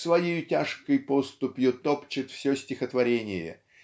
своею тяжкой поступью топчет все стихотворение